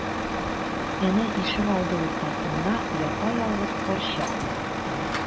Әнә, ишегалды уртасында япа-ялгыз карчык басып тора.